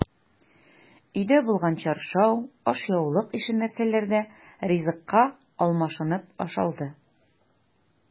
Өйдә булган чаршау, ашъяулык ише нәрсәләр дә ризыкка алмашынып ашалды.